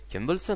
kim bilsin